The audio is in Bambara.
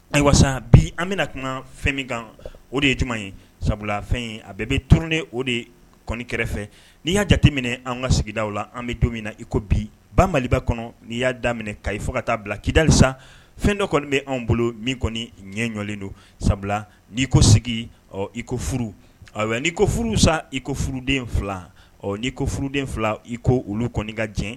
Ayiwa bi an bɛna ka fɛn min kan o de ye tuma ye sabula fɛn ye a bɛɛ bɛ turunnen o de kɔni kɛrɛfɛ n'i y'a jateminɛ an ka sigidaw la an bɛ don min na i ko bi ba mali kɔnɔ n'i y'a daminɛ minɛ ka i fɔ ka taa bila kida sa fɛn dɔ kɔni bɛ' bolo min kɔni ɲɛ ɲɔlen don sabula n'i ko sigi ɔ iko furu n'i ko furu san iko furuden fila ɔ n'i ko furuden fila iko olu kɔni ka jɛ